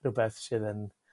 rwbeth sydd yn